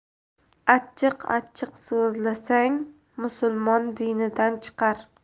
achchiq achchiq so'zlasang musulmon dinidan chiqar